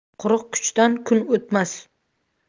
quruq kuchdan kun o'tmas